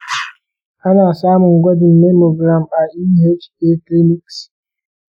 ana samun gwajin mammogram a eha clinics?